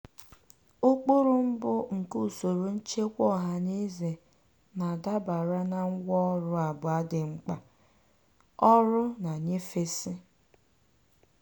Ụkpụrụ mbụ nke usoro nchekwa ọhanaeze na-adabere na ngwaọrụ abụọ dị mkpa: ọrụ na nnyefesi.